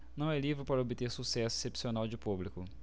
não é livro para obter sucesso excepcional de público